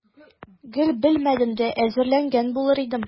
Гел белмәдем дә, әзерләнгән булыр идем.